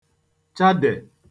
chade